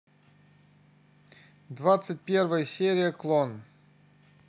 двадцать первая серия клон